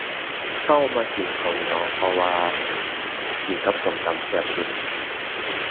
เรามักกินข้าวเหนียว เพราะว่ากินกับส้มตำแซ่บสุด